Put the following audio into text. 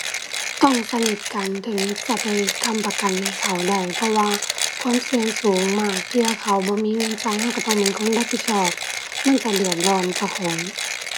ต้องสนิทกันถึงจะไปค้ำประกันให้เขาได้ เพราะว่าความเสี่ยงสูงมาก เทื่อเขาบ่มีเงินจ่าย เราเราต้องเป็นคนรับผิดชอบ มันจะเดือดร้อนเจ้าของ